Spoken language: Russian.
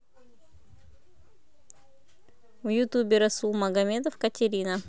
в ютубе расул магомедов катерина